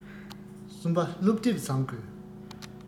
གསུམ པ སློབ དེབ བཟང དགོས